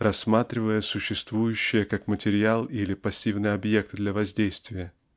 рассматривая существующее как материал или пассивный объект для воздействия.